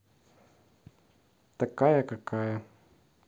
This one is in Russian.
такая какая